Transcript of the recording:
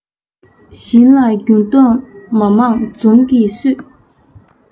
བཞིན ལ འགྱུར ལྡོག མ མང འཛུམ གྱིས བསུས